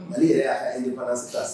Ale yɛrɛ y' ale fana sisan